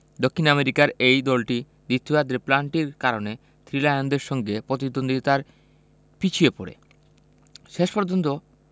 দক্ষিণ আমেরিকার ওই দলটি দ্বিতীয়ার্ধের পেনাল্টির কারণে থ্রি লায়নদের সঙ্গে প্রতিদ্বন্দ্বিতার পিছিয়ে পড়ে শেষ পর্যন্ত